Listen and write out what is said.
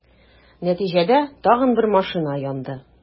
Нәтиҗәдә, тагын бер машина янды.